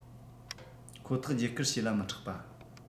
ཁོ ཐག བརྒྱུད བསྐུར བྱས ལ མི སྐྲག པ